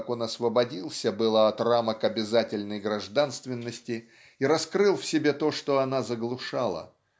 как он освободился было от рамок обязательной гражданственности и раскрыл в себе то что она заглушала